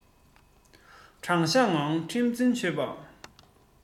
དྲང གཞག ངང ཁྲིམས འཛིན བྱེད པ